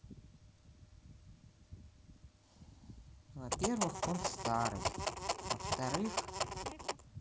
во первых он старый во вторых